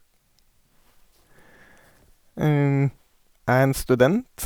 Jeg er en student.